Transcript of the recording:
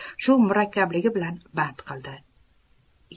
shu murakkabligi bilan band qildi